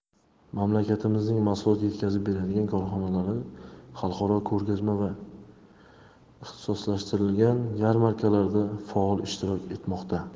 mamlakatimizning mahsulot yetkazib beradigan korxonalari xalqaro ko'rgazma va ixtisoslashtirilgan yarmarkalarda faol ishtirok etmoqda